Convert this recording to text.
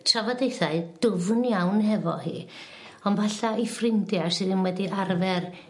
trafodaethau dwfn iawn hefo hi ond falla 'i ffrindia sy ddim wedi arfer